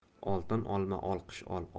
oltin olma olqish